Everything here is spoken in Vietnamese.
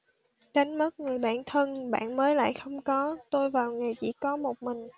đánh mất người bạn thân bạn mới lại không có tôi vào nghề chỉ có một mình